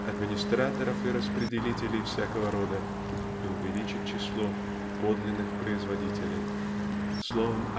администраторов и распределителей всякого рода и увеличить число подлинных производителей. Словом